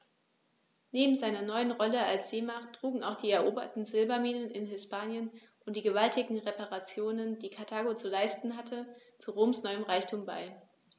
Neben seiner neuen Rolle als Seemacht trugen auch die eroberten Silberminen in Hispanien und die gewaltigen Reparationen, die Karthago zu leisten hatte, zu Roms neuem Reichtum bei.